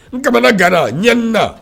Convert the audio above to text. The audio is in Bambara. N ka gaana ɲɛ na